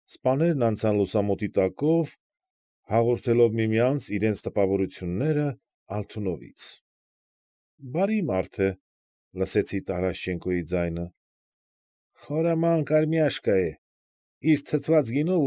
Սպաներն անցան լուսամուտի տակով, հաղորդելով միմյանց իրենց տպավորությունները Ալթունովից։ ֊ Բարի մարդ էր,֊ լսեցի Տարաշչենկոյի ձայնը։ ֊ Խորամանկ արմյաշկա է, իր թթված գինով։